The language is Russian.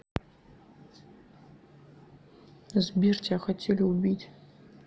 сбер тебя хотели убить